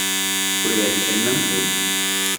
เปลี่ยนเป็นน้ำอุ่น